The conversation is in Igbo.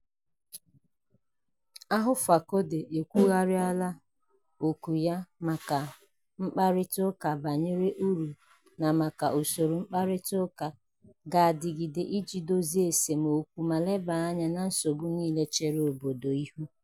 Alpha Condé ekwugharịala òkù ya maka mkparịta ụka bara uru na maka usoro mkparịtaụka ga-adịgide iji dozie esemokwu ma lebaa anya na nsogbu niile chere obodo ihu.